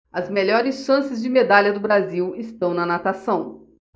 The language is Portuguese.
as melhores chances de medalha do brasil estão na natação